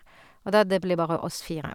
Og da det blir bare oss fire.